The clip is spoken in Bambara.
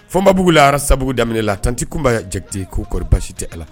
Fɔmbabugu la rasta bugu daminɛ la, tanti Kumba jakite ko kɔri baasi tɛ a la?